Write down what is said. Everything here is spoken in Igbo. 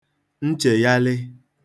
nchèyalị